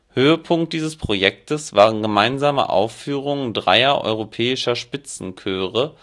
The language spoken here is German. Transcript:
Höhepunkt dieses Projektes waren gemeinsame Aufführungen dreier europäischer Spitzenchöre